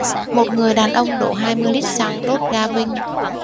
một người đàn ông đổ hai mươi lít xăng đốt ga vinh